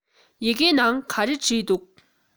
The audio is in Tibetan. ཡི གེའི ནང ག རེ བྲིས འདུག